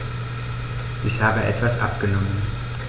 Ich habe etwas abgenommen.